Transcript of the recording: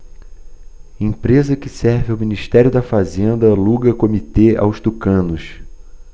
empresa que serve ao ministério da fazenda aluga comitê aos tucanos